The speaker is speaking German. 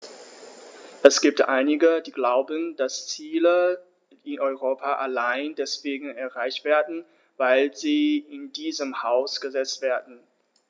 Es gibt einige, die glauben, dass Ziele in Europa allein deswegen erreicht werden, weil sie in diesem Haus gesetzt werden.